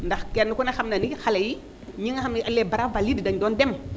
ndax kenn ku ne xam na ni xale yi ñi nga xam ni les bras valides dañu doon dem